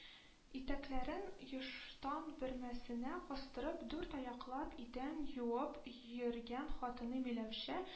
Итәкләрен ештан бөрмәсенә кыстырып дүрт аяклап идән юып йөргән хатыны Миләүшә